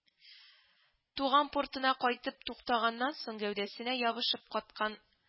Туган портына кайтып туктаганнан соң гәүдәсенә ябышып каткан